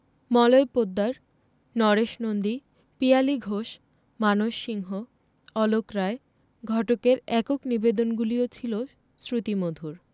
মলয় পোদ্দার নরেশ নন্দী পিয়ালি ঘোষ মানস সিংহ অলোক রায় ঘটকের একক নিবেদনগুলিও ছিল শ্রুতিমধুর